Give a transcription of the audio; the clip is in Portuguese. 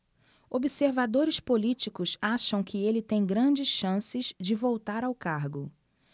observadores políticos acham que ele tem grandes chances de voltar ao cargo